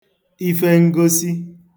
ife ngosi